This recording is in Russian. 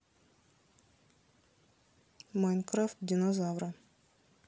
майнкрафт динозавры